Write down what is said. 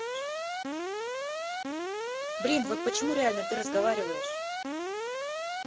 блин вот почему реально ты разговариваешь